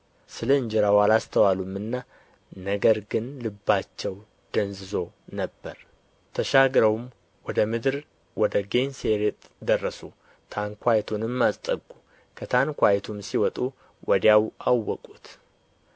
ስለ እንጀራው አላስተዋሉምና ነገር ግን ልባቸው ደንዝዞ ነበር ተሻግረውም ወደ ምድር ወደ ጌንሴሬጥ ደረሱ ታንኳይቱንም አስጠጉ ከታንኳይቱም ሲወጡ ወዲያው አውቀውት